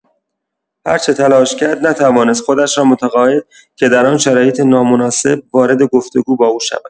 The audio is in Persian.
هرچه تلاش کرد نتوانست خودش را متقاعد که در آن شرایط نامناسب وارد گفت‌وگو با او شود.